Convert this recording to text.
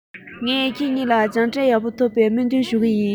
ངས ཁྱེད གཉིས ལ སྦྱངས འབྲས ཡག པོ ཐོབ པའི སྨོན འདུན ཞུ གི ཡིན